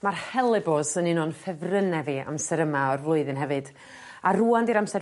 Ma'r Hellebores yn un o'n ffefrynne fi amser yma o'r flwyddyn hefyd a rŵan 'di'r amser